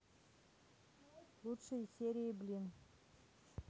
лучшие серии блин